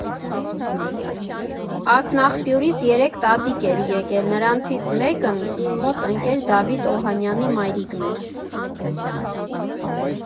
Ակնաղբյուրից երեք տատիկ էր եկել, նրանցից մեկն իմ մոտ ընկեր Դավիթ Օհանյանի մայրիկն էր։